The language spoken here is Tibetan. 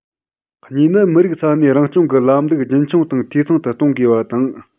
གཉིས ནི མི རིགས ས གནས རང སྐྱོང གི ལམ ལུགས རྒྱུན འཁྱོངས དང འཐུས ཚང དུ གཏོང དགོས པ དང